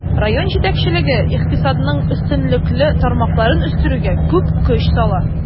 Район җитәкчелеге икътисадның өстенлекле тармакларын үстерүгә күп көч сала.